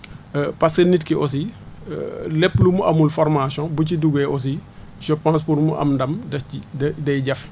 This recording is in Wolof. parce que nit ki aussi lépp lu mu amul formation bu ci duggee aussi je pense pour mu am ndam daf ci day jafe